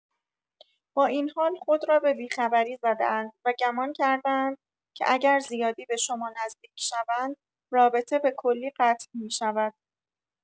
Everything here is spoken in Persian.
با این حال خود را به بی‌خبری زده‌اند و گمان کرده‌اند که اگر زیادی به شما نزدیک شوند، رابطه به‌کلی قطع می‌شود.